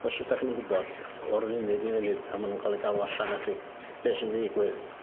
'Chos rydach chi'm yn gwbod o'r funud i'r funud pan ma' nw'n ca'l 'i galw allan nachi be' sy'n myn' i ddigwydd.